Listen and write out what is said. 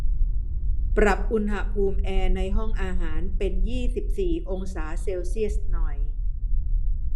ปรับอุณหภูมิแอร์ในห้องอาหารเป็นยี่สิบสี่องศาเซลเซียสหน่อย